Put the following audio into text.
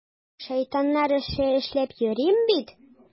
Шайтаннар эше эшләп йөрим бит!